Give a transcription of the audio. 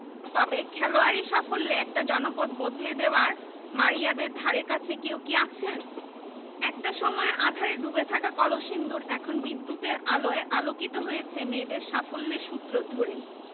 তবে খেলোয়াড়ি সাফল্যে একটা জনপদ বদলে দেওয়ায় মারিয়াদের ধারেকাছে কেউ কি আছেন একটা সময়ে আঁধারে ডুবে থাকা কলসিন্দুর এখন বিদ্যুতের আলোয় আলোকিত হয়েছে মেয়েদের সাফল্যের সূত্র ধরেই